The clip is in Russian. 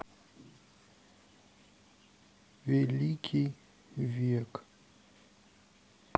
великий век